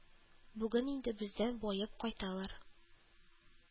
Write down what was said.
Бүген инде бездән баеп кайталар